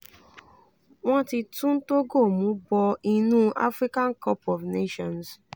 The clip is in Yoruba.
Wọ́n ti tún Togo mú bọ inú African Cup of Nations.